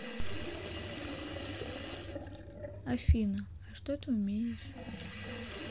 афина что ты умеешь